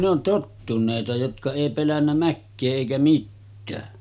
no tottuneita jotka ei pelännyt mäkeä eikä mitään